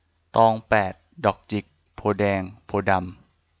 ตองแปดดอกจิกโพธิ์แดงโพธิ์ดำ